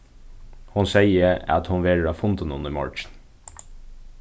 hon segði at hon verður á fundinum í morgin